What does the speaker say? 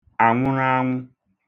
ànwụraanwụ